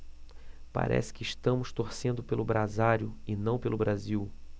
parece que estamos torcendo pelo brasário e não pelo brasil